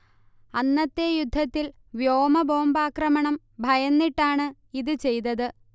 അന്നത്തെ യുദ്ധത്തിൽ വ്യോമ ബോംബാക്രമണം ഭയന്നിട്ടാണ് ഇത് ചെയ്തത്